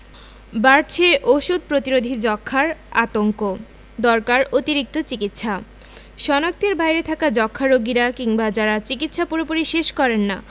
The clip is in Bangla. বাড়ছে ওষুধ প্রতিরোধী যক্ষ্মার আতঙ্ক দরকার অতিরিক্ত চিকিৎসা শনাক্তের বাইরে থাকা যক্ষ্মা রোগীরা কিংবা যারা চিকিৎসা পুরোপুরি শেষ করেন না